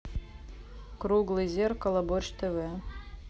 круглый зеркало борщ тв